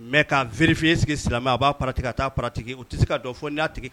Mɛ ka bererifin sigi silamɛ a b'a ka taatigi u tɛ se ka fɔ n'